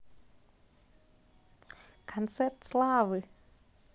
концерт славы